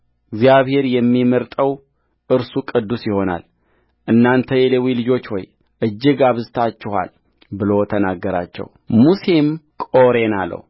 እግዚአብሔር የሚመርጠው እርሱ ቅዱስ ይሆናል እናንተ የሌዊ ልጆች ሆይ እጅግ አብዝታችኋል ብሎ ተናገራቸውሙሴም ቆሬን አለው